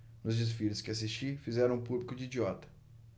nos desfiles que assisti fizeram o público de idiota